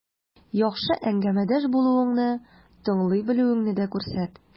Яхшы әңгәмәдәш булуыңны, тыңлый белүеңне дә күрсәт.